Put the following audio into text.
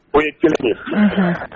O ye kelen kɛ